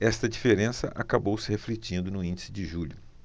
esta diferença acabou se refletindo no índice de julho